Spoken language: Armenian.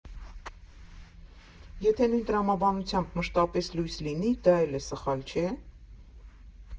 Եթե նույն տրամաբանությամբ մշտապես լույս լինի, դա էլ է սխալ, չէ՞։